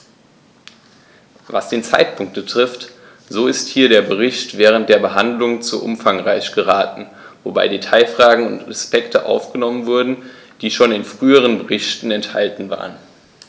Was den Zeitpunkt betrifft, so ist hier der Bericht während der Behandlung zu umfangreich geraten, wobei Detailfragen und Aspekte aufgenommen wurden, die schon in früheren Berichten enthalten waren.